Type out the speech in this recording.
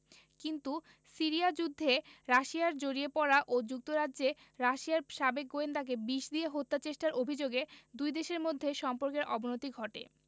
কিন্তু সিরিয়া যুদ্ধে রাশিয়ার জড়িয়ে পড়া ও যুক্তরাজ্যে রাশিয়ার সাবেক গোয়েন্দাকে বিষ দিয়ে হত্যাচেষ্টার অভিযোগে দুই দেশের মধ্যে সম্পর্কের অবনতি ঘটে